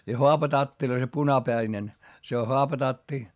ja haapatatteja se punapäinen se on haapatatti